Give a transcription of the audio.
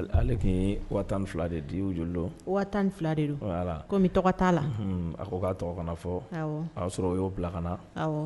Ale fila de tan ni fila de tɔgɔ t'a la a ko ka tɔgɔ kana fɔ y'a sɔrɔ o y'o bila ka na